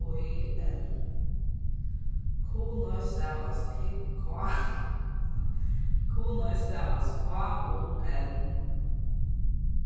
í l kunoy stavast k kunoy stavast k u n